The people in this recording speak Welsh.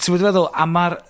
...t'wod be' dwi feddwl, a ma'r